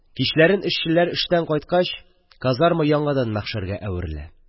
Кичләрен, эшчеләр эштән кайткач, казарма яңадан мәхшәргә әверелә.